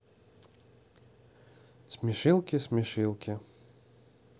смешилки смешилки